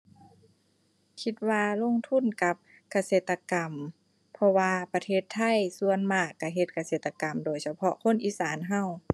คิดว่าลงทุนกับเกษตรกรรม เพราะว่าประเทศไทยส่วนมากก็เฮ็ดเกษตรกรรม โดยเฉพาะคนอีสานก็